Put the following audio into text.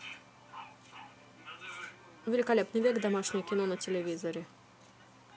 великолепный век домашнее кино на телевизоре